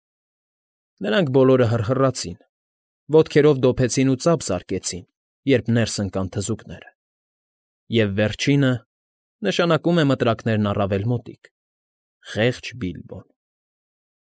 Նրանք բոլորը հռհռացին, ոտքերով դոփեցին ու ծափ զարկեցին, երբ ներս ընկան թզուկները, և վերջինը (նշանակում է մտրակներին առավել մոտիկ)՝ խեղճ Բիլբոն։